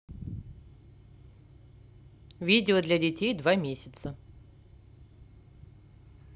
видео для детей два месяца